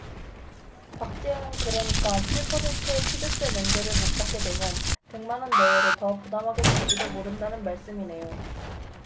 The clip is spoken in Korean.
박재홍 그러니까 칠 퍼센트 취득세 면제를 못 받게 되면 백 만원 내외로 더 부담하게 될지도 모른다는 말씀이네요